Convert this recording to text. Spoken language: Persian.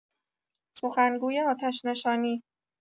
سخنگوی آتش‌نشانی